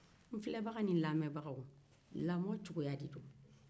lamɔcogo de don n filɛbagaw ni n lamɛnbagaw